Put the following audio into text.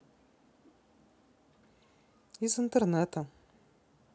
из интернета